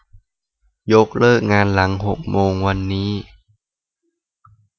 ยกเลิกงานหลังหกโมงวันนี้